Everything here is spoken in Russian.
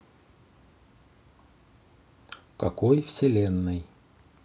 какой вселенной